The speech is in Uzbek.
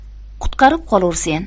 qutqarib qolursen